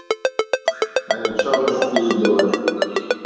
они черные или белые